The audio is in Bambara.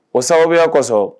O sababubila kosɔn